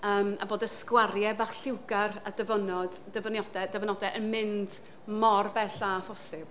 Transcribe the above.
Yym a bod y sgwariau bach lliwgar a dyfynod... dyfyniode... dyfynodau yn mynd mor bell â phosib.